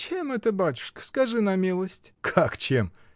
— Чем это, батюшка, скажи на милость? — Как чем?